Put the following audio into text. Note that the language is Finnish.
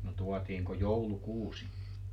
no tuotiinko joulukuusi